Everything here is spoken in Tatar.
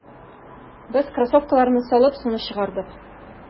Без кроссовкаларны салып, суны чыгардык.